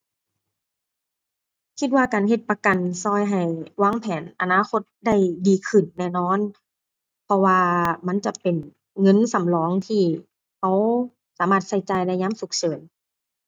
คิดว่าการเฮ็ดประกันช่วยให้วางแผนอนาคตได้ดีขึ้นแน่นอน เพราะว่ามันจะเป็นเงินสำรองที่ช่วยสามารถใช้จ่ายในยามฉุกเฉิน